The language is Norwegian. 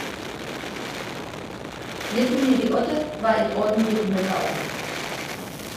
- 1998 var et ordentlig møkkaår.